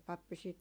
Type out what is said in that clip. pappi sitten